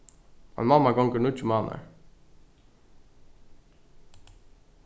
ein mamma gongur í níggju mánaðir